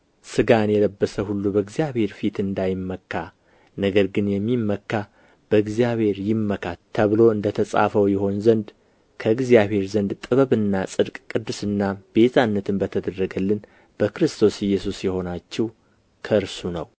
ሥጋን የለበሰ ሁሉ በእግዚአብሔር ፊት እንዳይመካ ነገር ግን የሚመካ በእግዚአብሔር ይመካ ተብሎ እንደ ተጻፈው ይሆን ዘንድ ከእግዚአብሔር ዘንድ ጥበብና ጽድቅ ቅድስናም ቤዛነትም በተደረገልን በክርስቶስ ኢየሱስ የሆናችሁ ከእርሱ ነው